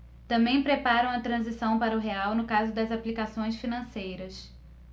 também preparam a transição para o real no caso das aplicações financeiras